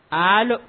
Aa